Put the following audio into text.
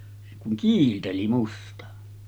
se kun kiilteli musta